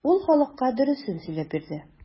Ул халыкка дөресен сөйләп бирде.